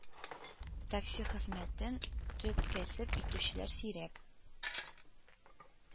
Такси хезмәтен төп кәсеп итүчеләр сирәк